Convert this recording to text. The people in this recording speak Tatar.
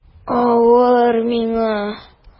Авыр миңа...